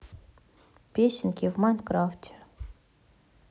песенки в майнкрафте